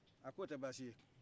a k'o tɛ baasi ye